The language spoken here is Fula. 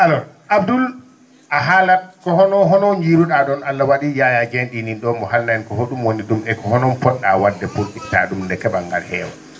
Abdoul a haalat ko hono hono jiiru?a ?on Allah wa?i Yaya Dieng ?inin ?o omo haalna en ko ho?um woni ?um eko hono po??a wa?de pour itta ?um nde ke?al ngal ne heewa